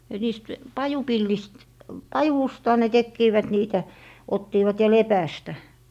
että niistä pajupilleistä pajusta ne tekivät niitä ottivat ja lepästä